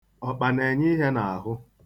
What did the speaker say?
Ọkpa na-enye ihe n'ahụ.